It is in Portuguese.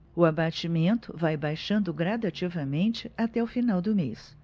o abatimento vai baixando gradativamente até o final do mês